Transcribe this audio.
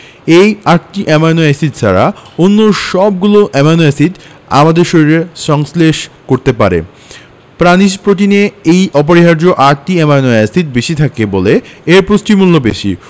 এই আটটি amino acid ছাড়া অন্য সবগুলো অ্যামাইনো এসিড আমাদের শরীর সংশ্লেষ করতে পারে প্রাণিজ প্রোটিনে এই অপরিহার্য আটটি অ্যামাইনো এসিড বেশি থাকে বলে এর পুষ্টিমূল্য বেশি